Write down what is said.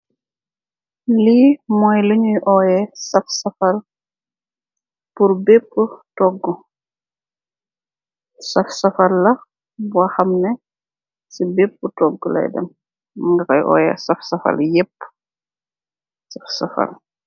Lii amb saff saffal la bounyou deff cii beppou toggou